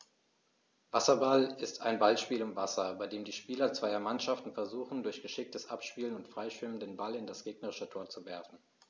Wasserball ist ein Ballspiel im Wasser, bei dem die Spieler zweier Mannschaften versuchen, durch geschicktes Abspielen und Freischwimmen den Ball in das gegnerische Tor zu werfen.